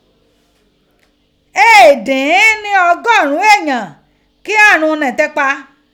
E e din ni ọgọrun eeyan kí ààrùn ni ti pa.